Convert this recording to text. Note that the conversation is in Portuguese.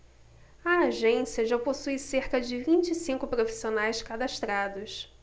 a agência já possui cerca de vinte e cinco profissionais cadastrados